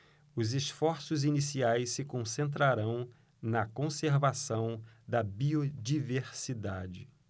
os esforços iniciais se concentrarão na conservação da biodiversidade